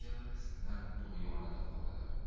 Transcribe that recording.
hislar tug'yonida qoldilar